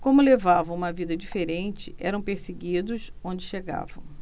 como levavam uma vida diferente eram perseguidos onde chegavam